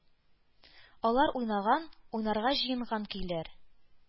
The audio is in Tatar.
Алар уйнаган, уйнарга җыенган көйләр,